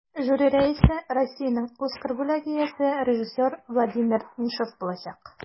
Жюри рәисе Россиянең Оскар бүләге иясе режиссер Владимир Меньшов булачак.